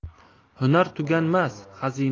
hunar tuganmas xazina